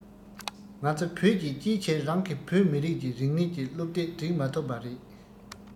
ང ཚོ བོད ཀྱིས ཅིའི ཕྱིར རང གི བོད མི རིགས ཀྱི རིག གནས ཀྱི སློབ དེབ སྒྲིག མ ཐུབ པ རེད